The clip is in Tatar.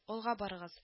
Алга барыгыз